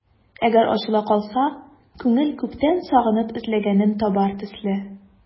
Әгәр ачыла калса, күңел күптән сагынып эзләгәнен табар төсле...